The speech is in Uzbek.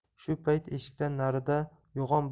shu payt eshikdan narida yo'g'on bir